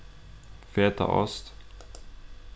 fetaost